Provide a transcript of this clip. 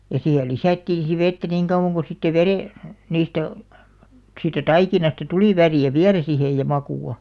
ja siihen lisättiin sitten vettä niin kauan kuin sitten - niistä siitä taikinasta tuli väriä vielä siihen ja makua